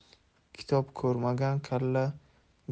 kitob ko'rmagan kalla